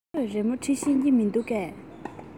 ཁོས རི མོ འབྲི ཤེས ཀྱི མིན འདུག གས